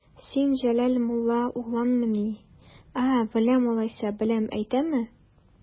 Син Җәләл мулла угълымыни, ә, беләм алайса, беләм дип әйтәме?